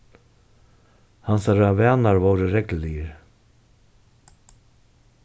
hansara vanar vóru regluligir